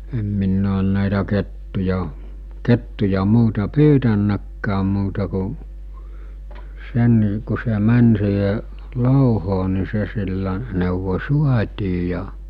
en minä ole näitä kettuja kettuja muuta pyytänytkään muuta kuin sen kun se meni siihen louhoon niin se sillä neuvoin saatiin ja